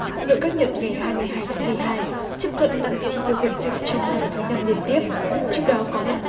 nội các nhật ngày hai mươi hai tháng mười hai chấp thuận tăng chi tiêu quân sự trong năm thứ năm liên tiếp trong đó có ngân